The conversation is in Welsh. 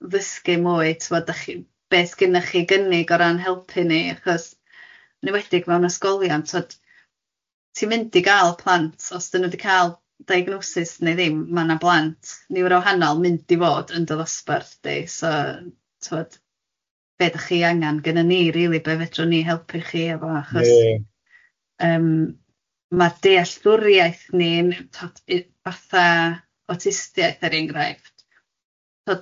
ddysgu mwy tibod, dach chi, be sgennoch chi i gynnig o ran helpu ni achos yn enwedig mewn ysgolion tibod, ti'n mynd i gael plant os dan nhw wedi cal diagnosis neu ddim ma' na blant niwro wahanol yn mynd i fod yn dy ddosbarth di, so tibod be dach chi angen gynnon ni rili be fedrwn ni helpu chi efo achos... Ie ie. ...yym ma'r dealltwriaeth ni'n tibod fatha awtistiaeth er enghraifft tibod,